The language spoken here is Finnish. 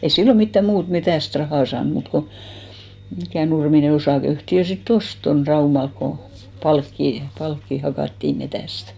ei silloin mitään muuta metsästä rahaa saanut muuta kuin mikä Nurminen osakeyhtiö sitten osti tuon Raumalla kun palkkia palkkia - hakattiin metsästä